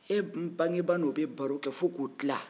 e tun bangebaa n'o bɛ baro kɛ fo k'u tla